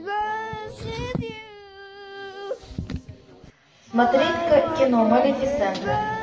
смотреть кино малефисента